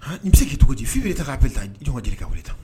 N bɛ se k' cogo di f fi bɛ'yita k'a bɛ jɔn deli ka wuli ta